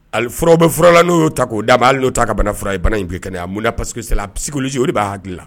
Ali fura bɛf furala n'o ta'o daba ale'o ta ka bana f yebana in bi kɛ a mun pa parcesisisi olu de b'a hakili la